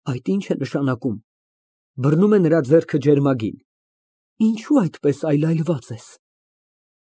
Այդ ի՞նչ է նշանակում։ (Բռնում է նրա ձեռքը ջերմագին) Ինչո՞ւ այդպես այլայլված ես։